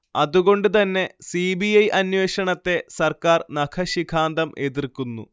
അതുകൊണ്ടു തന്നെ C. B. I അന്വേഷണത്തെ സർക്കാർ നഖശിഖാന്തം എതിർക്കുന്നു